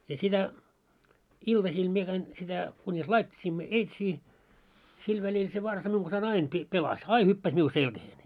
ja sitä iltasilla minä kävin sitä kunis laittauduimme eitsiin sillä välillä se varsa minun kanssani aina - pelasi aina hyppäsi minun selkään